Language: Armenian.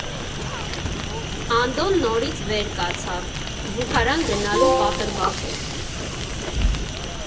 Անդոն նորից վեր կացավ՝ զուգարան գնալու պատրվակով։